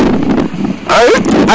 a